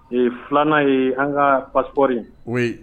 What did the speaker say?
Ee filanan ye an ka paspɔriri mun ye